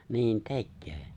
niin tekee